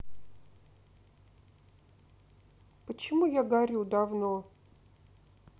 почему я горю давно